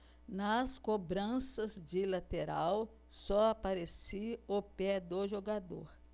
nas cobranças de lateral só aparecia o pé do jogador